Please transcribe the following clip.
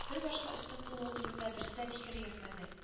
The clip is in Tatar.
Бер башка өстен булуы турында берсе дә фикер йөртмәде